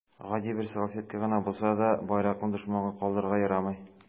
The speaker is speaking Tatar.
Гади бер салфетка гына булса да, байракны дошманга калдырырга ярамый.